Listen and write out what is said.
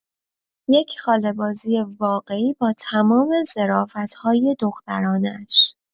یک خاله بازی واقعی با تمام ظرافت‌های دخترانه‌اش.